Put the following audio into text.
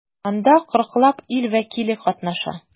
Анда 40 лап ил вәкиле катнаша.